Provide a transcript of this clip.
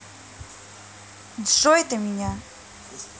джой ты меня